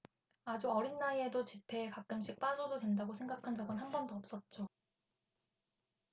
아주 어린 나이에도 집회에 가끔씩 빠져도 된다고 생각한 적은 한 번도 없었죠